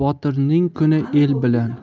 botirning kuni el bilan